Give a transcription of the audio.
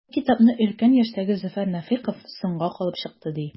Бу китапны өлкән яшьтәге Зөфәр Нәфыйков “соңга калып” чыкты, ди.